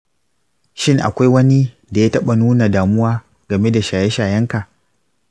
shin akwai wani da ya taɓa nuna damuwa game da shaye-shayenka?